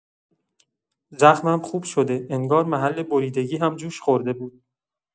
زخمم خوب شده، انگار محل بریدگی هم جوش‌خورده بود.